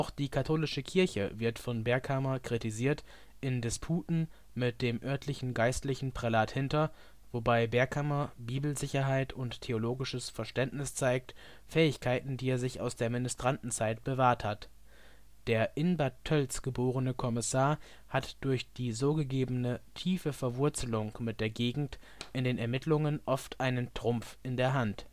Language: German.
die katholische Kirche wird von Berghammer kritisiert in Disputen mit dem örtlichen Geistlichen Prälat Hinter, wobei Berghammer Bibelsicherheit und theologisches Verständnis zeigt, Fähigkeiten, die er sich aus der Ministrantenzeit bewahrt hat. Der in Bad Tölz geborene Kommissar hat durch die so gegebene tiefe Verwurzelung mit der Gegend in den Ermittlungen oft einen Trumpf in der Hand